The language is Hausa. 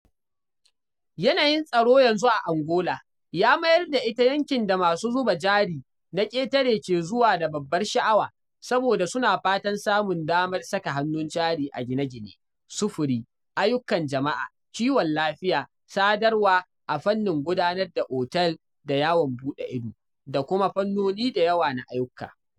Yanayin tsaro yanzu a Angola ya mayar da ita yankin da masu zuba jari na ƙetare ke zuwa da babbar sha’awa, saboda suna fatan samun damar saka hannun jari a gine-gine, sufuri, ayyukan jama’a, kiwon lafiya, sadarwa, a fannin gudanar da otal da yawon buɗe ido, da kuma fannoni da yawa na ayyuka .”